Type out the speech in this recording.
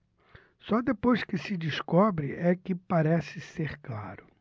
só depois que se descobre é que parece ser claro